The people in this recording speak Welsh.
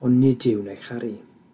Ond nid yw 'n ei charu.